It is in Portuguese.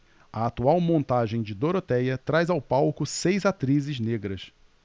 a atual montagem de dorotéia traz ao palco seis atrizes negras